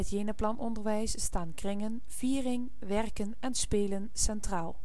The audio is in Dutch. Jenaplan-onderwijs. In het Jenaplanonderwijs staan kringen, viering, werken en spelen centraal